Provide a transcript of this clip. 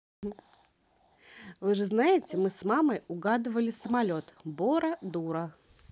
вы же знаете мы с мамой угадывали самолет бора дура